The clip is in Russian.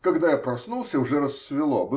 Когда я проснулся, уже рассвело